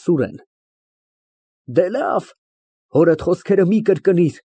ՍՈՒՐԵՆ ֊ Դե լավ, հորդ խոսքերը մի կրկնիր։